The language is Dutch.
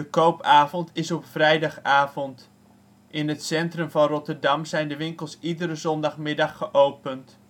koopavond is op vrijdagavond. In het centrum van Rotterdam zijn de winkels iedere zondagmiddag geopend